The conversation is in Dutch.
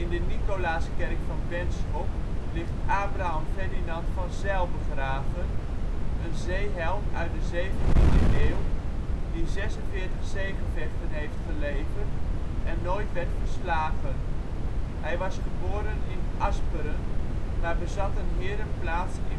de Nicolaaskerk van Benschop ligt Abraham Ferdinand van Zijll begraven, een zeeheld uit de 17e eeuw, die zesenveertig zeegevechten heeft geleverd en nooit werd verslagen. Hij was geboren in Asperen, maar bezat een herenplaats